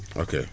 ok